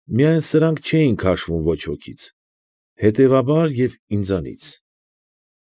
Միայն սրանք չէին քաշվում ոչ ոքից, հետևաբար և՛ ինձանից։